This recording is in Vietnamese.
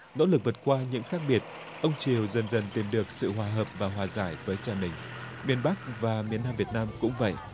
nỗ lực vượt qua những khác biệt ông triều dần dần tìm được sự hòa hợp và hòa giải với trần đình miền bắc và miền nam việt nam cũng vậy